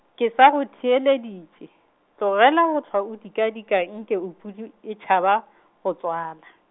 ke sa go theeleditše, tlogela go hlwa o dikadika nke o pudi e tšhaba, go tswala.